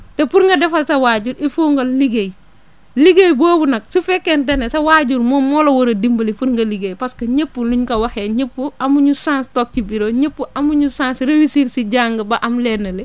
te pour nga defal sa waajur il faut nga liggéey liggéey boobu nag su fekkente ne sa waajur moom moo la war a dimbali pour nga liggéey parce que ñëpp pour ni ñu ko waxee ñëpp amuñu chance toog ci bureau ñëpp amuñu chance réussir si jàng ba am lenn li